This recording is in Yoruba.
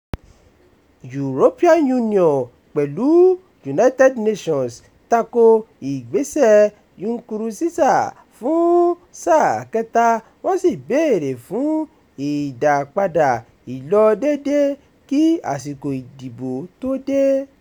European Union pẹ̀lú United Nations tako ìgbésẹ̀ Nkurunziza fún sáà kẹ́ta, wọ́n sì béèrè fún ìdápadà ìlọdéédé kí àsìkò ìdìbò ó tó dé.